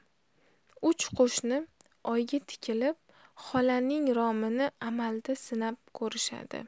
uch qo'shni oyga tikilib xolaning romini amalda sinab ko'rishadi